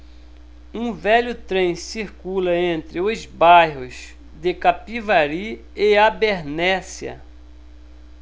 um velho trem circula entre os bairros de capivari e abernéssia